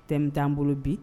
Tɛmɛ'an bolo bi